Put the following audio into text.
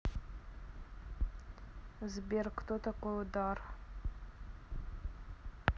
сбер кто такой удар